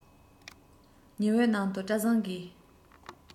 ཉི འོད ནང དུ བཀྲ བཟང གིས